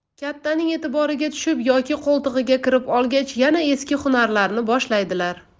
kattaning e'tiboriga tushib yoki qo'ltig'iga kirib olgach yana eski hunarlarini boshlaydilar